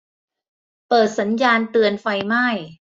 เปิดสัญญาณเตือนไฟไหม้